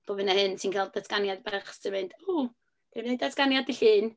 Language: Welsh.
Bob hyn a hyn, ti'n cael datganiad bach sy'n mynd, "O, dan ni'n wneud datganiad dydd Llun".